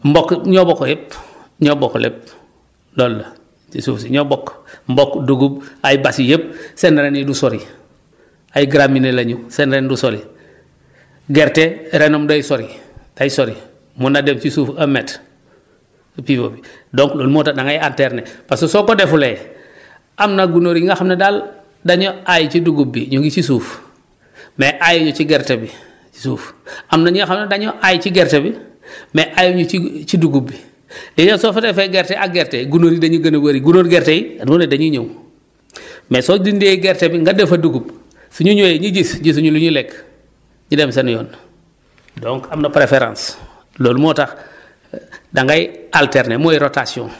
mboq ñoo bokk yëpp ñoo bokk lépp loolu la ci suuf si ñoo bokk mboq dugub ay basi yëpp seen reen yi du sor ay graminés la ñu seen reen du sori gerte reenam day sori day sori mun na dem ci suuf un mètre ci pivot bi donc loolu moo tax da ngay alterner parce que soo ko defulee am na gunóor yi nga xam ne daal dañoo aay ci dugub bi ñu ngi ci suuf mais aayu ñu ci gerte bi suuf am na ñi nga xam ne dañoo aay ci gerte bi mais aayu ñu ci ci dugub bi léegi nag soo fa defee gerte ak gerte gunóor yi dañuy gën a bëri gunóoru gerte yi noonu dañuy ñëw mais soo dindee gerte bi nga def fa dugub su ñu ñëwee ñu gis gisuñu lu ñu lekk ñu dem seen yoon donc am na préférence loolu moo tax da ngay alterner mooy rotation